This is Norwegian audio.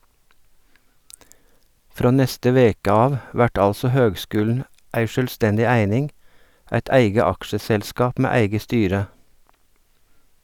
Frå neste veke av vert altså høgskulen ei sjølvstendig eining, eit eige aksjeselskap med eige styre.